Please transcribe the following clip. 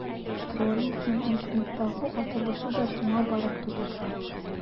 Троллингның интернеттагы аталышы да шуңа барып тоташа.